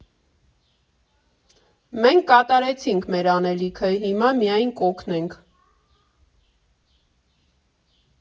Մենք կատարեցինք մեր անելիքը, հիմա միայն կօգնենք։